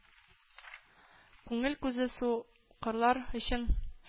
Күңел күзе сукырлар өчен